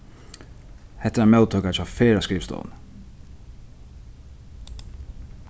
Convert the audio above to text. hetta er ein móttøka hjá ferðaskrivstovuni